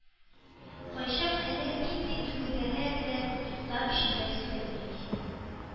– кайчак әллә нинди түрәләр дә, туктап, җиләк сайлый.